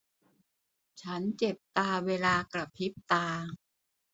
ฉันเจ็บตาเวลากระพริบตา